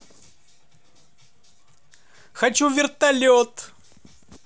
хочу в вертолет